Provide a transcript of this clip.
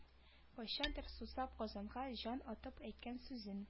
Кайчандыр сусап казанга җан атып әйткән сүзен